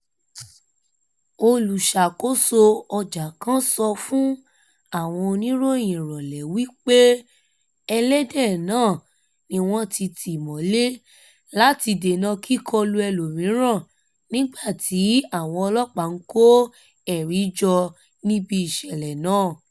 Olùṣàkóso ọjà kan sọ fún Evening News wí pé ẹlẹ́dẹ̀ náà ni wọn ti tì mọ́lé láti dènà kíkọlu ẹlomìíràn, nígbà tí àwọn ọlọ́ọ̀pá ńkó ẹ̀rí jọ níbi ìṣẹ̀lẹ̀ náà.